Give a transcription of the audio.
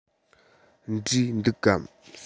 འབྲས འདུག གམ